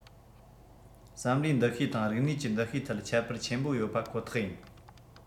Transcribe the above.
བསམ བློའི འདུ ཤེས དང རིག གནས ཀྱི འདུ ཤེས ཐད ཁྱད པར ཆེན པོ ཡོད པ ཁོ ཐག ཡིན